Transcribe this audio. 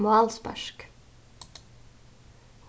málspark